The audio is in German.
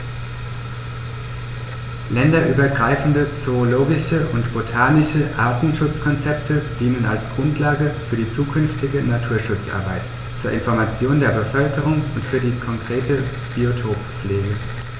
Länderübergreifende zoologische und botanische Artenschutzkonzepte dienen als Grundlage für die zukünftige Naturschutzarbeit, zur Information der Bevölkerung und für die konkrete Biotoppflege.